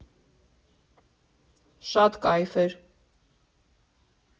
Շատ կայֆ էր.